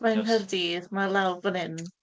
Mae yng Nghaerdydd, mae lawr fan hyn.